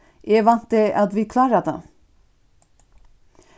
eg vænti at vit klára tað